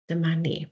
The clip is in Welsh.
Dyma ni.